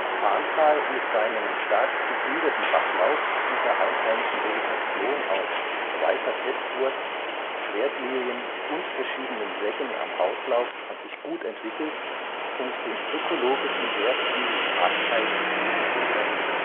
Farntal mit seinem stark gegliederten Bachlauf und der einheimischen Vegetation aus Weißer Pestwurz, Schwertlilien und verschiedenen Seggen am Auslauf hat sich gut entwickelt und den ökologischen Wert dieses Parkteils wesentlich erhöht